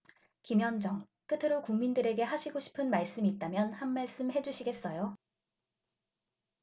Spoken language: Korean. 김현정 끝으로 국민들에게 하시고 싶은 말씀 있다면 한 말씀 해주시겠어요